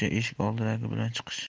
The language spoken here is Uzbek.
eshik oldidagi bilan chiqish